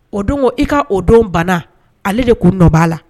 O don ko i ka o don bana ale de k'u nɔ b'a la